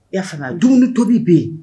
Yafa fana dumuni tobi bɛ yen